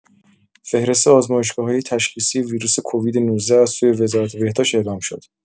فهرست آزمایشگاه‌های تشخیص ویروس کووید ۱۹ از سوی وزارت بهداشت اعلام شد.